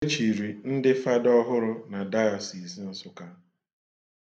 E chiri ndị fada ọhụrụ na Dayọsis Nsụka.